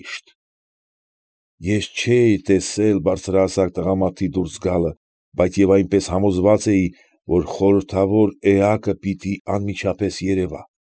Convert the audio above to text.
Միշտ։ Ես չէի տեսել բարձրահասակ սւղամարդի դուրս գնալը, բայց և այնպես համոզված էի, որ խորհրդավոր էակը պիտի անմիջապես երևար։